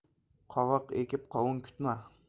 qovoq ekib qovun kutma